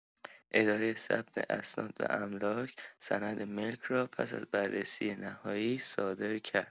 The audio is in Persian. اداره ثبت اسناد و املاک سند ملک را پس از بررسی نهایی صادر کرد.